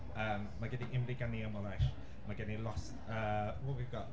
yym mae gen i Imrie gan Nia Morais. Mae gen i lost... Yy what we got....